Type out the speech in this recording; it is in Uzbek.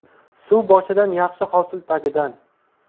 suv boshidan yaxshi hosil tagidan